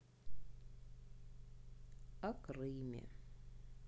о крыме